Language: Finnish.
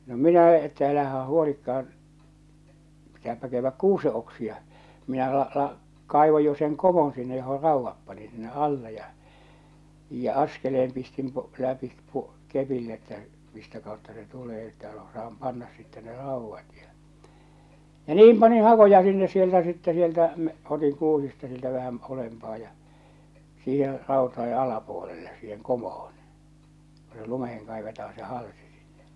no minä että älähän huolikaan pitääpä käydä kuusen oksia minä -- kaivoin jo sen komon sinne johon raudan panin sinne alle ja ja askeleen pistin - läpi - kepin että mistä kautta se tulee että osaa panna sitten ne raudat ja ja niin panin hakoja sinne sieltä sitten sieltä - otin kuusista sieltä vähän ylempää ja siihen rautojen alapuolelle siihen komoon kun se lumeen kaivetaan se halsi sinne